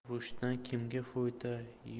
urushdan kimga foyda